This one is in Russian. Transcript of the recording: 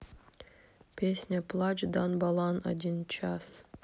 песня плач дан балан один час